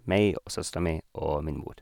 Meg og søstera mi og min mor.